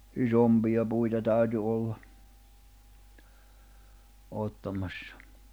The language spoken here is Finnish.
isompia puita täytyi olla ottamassa